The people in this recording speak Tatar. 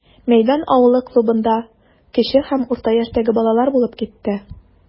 Мәйдан авылы клубында кече һәм урта яшьтәге балалар булып китте.